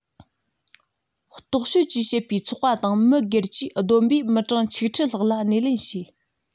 རྟོག དཔྱོད བཅས བྱེད པའི ཚོགས པ དང མི སྒེར བཅས བསྡོམས པས མི གྲངས ཆིག ཁྲི ལྷག ལ སྣེ ལེན བྱས